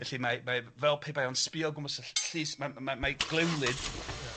Felly mae mae fel pe bai o'n sbïo o gwmpas y ll- llys ma'n ma' mae Glewlyd... Ia.